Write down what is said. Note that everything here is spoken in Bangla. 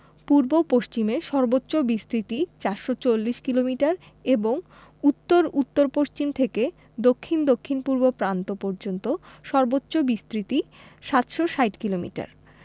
পূর্ব পশ্চিমে সর্বোচ্চ বিস্তৃতি ৪৪০ কিলোমিটার এবং উত্তর উত্তর পশ্চিম থেকে দক্ষিণ দক্ষিণপূর্ব প্রান্ত পর্যন্ত সর্বোচ্চ বিস্তৃতি ৭৬০ কিলোমিটার